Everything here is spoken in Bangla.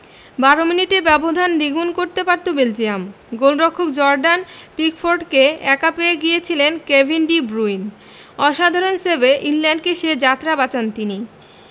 ১২ মিনিটে ব্যবধান দ্বিগুণ করতে পারত বেলজিয়াম গোলরক্ষক জর্ডান পিকফোর্ডকে একা পেয়ে গিয়েছিলেন কেভিন ডি ব্রুইন অসাধারণ সেভে ইংল্যান্ডকে সে যাত্রা বাঁচান তিনি